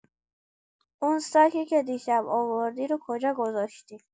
اون ساکی که دیشب آوردی رو کجا گذاشتی؟